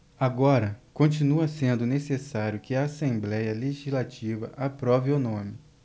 agora continua sendo necessário que a assembléia legislativa aprove o nome